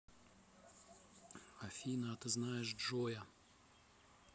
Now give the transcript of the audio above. афина а ты знаешь джоя